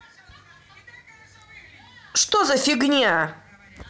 что за фигня